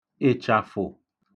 ị̀chàfụ̀